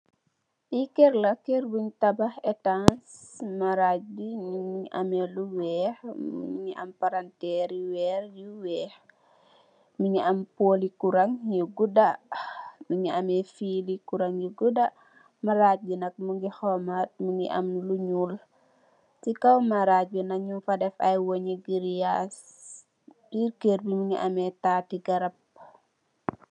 Lii kerr la, kerr bungh tabakh ehtanss, marajj bii mungy ameh lu wekh, mungy am palanterre yu wehrre yu wekh, mungy am poli kurang yu gudah, mungy ameh fili kurang yu gudah, marajj bii nak mungy hormarr, mungy am lu njull, cii kaw marajj bii nak njung fa deff, aiiy weughnjii greeyass, cii birr kerr bii mungy ameh taati garab.